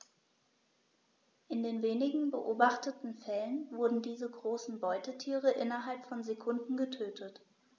In den wenigen beobachteten Fällen wurden diese großen Beutetiere innerhalb von Sekunden getötet.